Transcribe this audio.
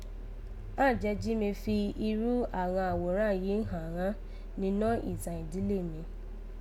An jẹ́ jí mi fi irú àghan àghòrán yìí hàn ghán ninọ́ ìtàn ìdílé mi